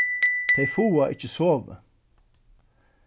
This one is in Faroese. tey fáa ikki sovið